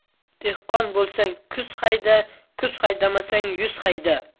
dehqon bo'lsang kuz hayda kuz haydamasang yuz hayda